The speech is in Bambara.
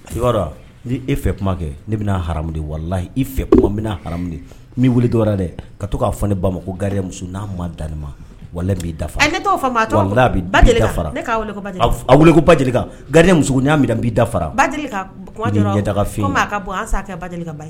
A ni e fɛ kumakɛ ne bɛna wala i fɛ kuma ha n dɛ ka to k'a fɔ ne ba ma ko gari mu n'a ma dan ma wala b'i da t' gari mu na n' baka